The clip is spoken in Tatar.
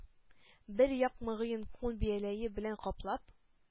Бер як мыегын күн бияләе белән каплап,